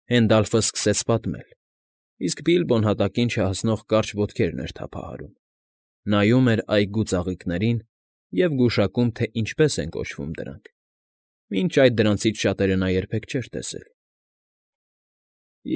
Հենդալֆը սկսեց պատմել, իսկ Բիլբոն հատակին չհասնող կարճ ոտքերն էր թափահարում, նայում էր այգու ծաղիկներին և գուշակում, թե ինչպես են կոչվում դրանք. մինչ այդ դրանցից շատերը նա երբեք չէր տեսել։ ֊